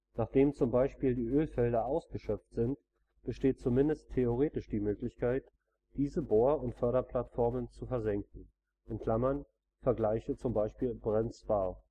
Nachdem zum Beispiel die Ölfelder ausgeschöpft sind, besteht zumindest theoretisch die Möglichkeit, diese Bohr - und Förderplattform zu versenken (vgl. z.B. Brent Spar